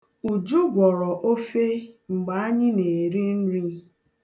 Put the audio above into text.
Uju gwọrọ ofe mgbe anyị na-eri nri.